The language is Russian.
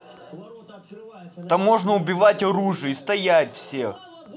там можно убивать оружие и стоять всех